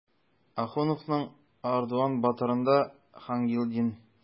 Ахуновның "Ардуан батыр"ында Хангилдин.